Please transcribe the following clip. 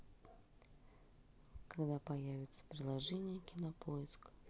когда появится приложение кинопоиск